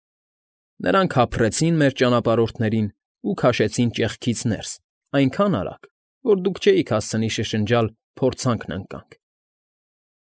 Նրանք հափռեցին մեր ճանապարհորդներին ու քաշեցին ճեղքից ներս այնքան արագ, որ դուք չէիք հասցնի շշնջալ «փորձանքն ընկանք»։